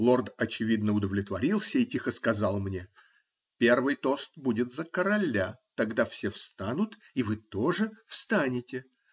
Лорд, очевидно, удовлетворился и тихо сказал мне: -- Первый тост будет за короля, тогда все встанут, и вы тоже встанете.